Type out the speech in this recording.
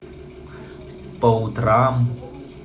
по утрам